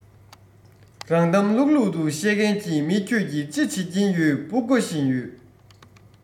རང གཏམ ལྷུག ལྷུག བཤད མཁན གྱི མི ཁྱོད ཀྱིས ཅི བྱེད ཀྱིན ཡོད འབུ རྐོ བཞིན ཡོད